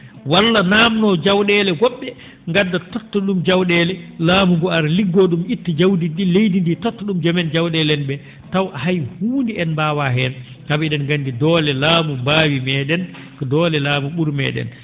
walla naamnoo jaw?eele go??e ngadda totta ?um jaw?eele laamu ngu ara liggoo ?um itta jawdi ndin leydi ndi totta ?um joom en jaw?eele en ?ee taw hay huunde en mbaawaa heen sabu e?en nganndi doole laamu mbaawi mee?en ko doole laamu ?uri mee?en